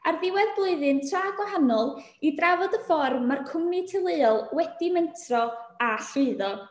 Ar ddiwedd blwyddyn tra gwahanol, i drafod y ffordd mae'r cwmni teuluol wedi mentro a llwyddo.